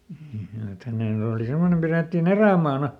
että hänen oli semmoinen pidettiin erämaana